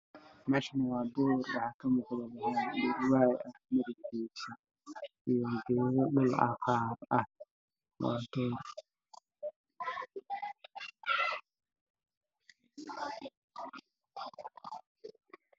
Waa meel waxaa ii muuqda waraabe afka kala hayo geed ayaa ka dambeeyay cadar oo weyn